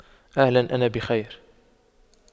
اهلا أنا بخير